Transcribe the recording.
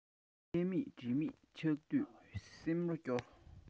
ལྷ མིན འདྲེ མིན ཆགས དུས སེམས རེ སྐྱོ